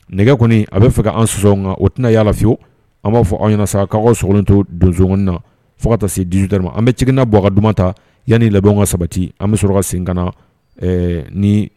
Nɛgɛ kɔni a bɛ fɛ an son kan o tɛna y yalalayewu an b'a fɔ anw ɲɛnasa ka sogolon to donso na fo ka taa setu dima an bɛ jiginna bɔ a ka duman ta yanani la ka sabati an bɛ su sen ka na ni